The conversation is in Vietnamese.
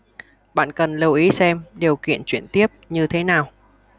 bạn cần lưu ý xem điều kiện chuyển tiếp như thế nào